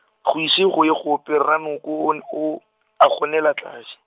go ise go ye gope Ranoko o n- o, a gonela tlase.